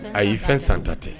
Ayi fɛn santa tɛ